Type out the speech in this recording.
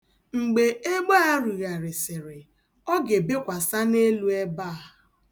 Mgbe egbe a rugharịsịrị, o ga-ebekwasa n'elu ebe a.